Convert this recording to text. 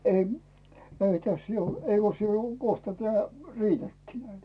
- ei tässä - eikös se jo kohta tämä riitäkin näitä